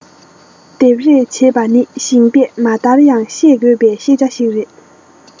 འདེབས རེས བྱེད པ ནི ཞིང པས མ མཐར ཡང ཤེས དགོས པའི ཤེས བྱ ཞིག རེད